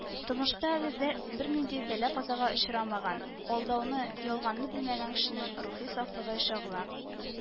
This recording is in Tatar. Тормышта әле бәр бернинди бәла-казага очрамаган, алдауны, ялганны белмәгән кешенең рухи сафлыгы чагыла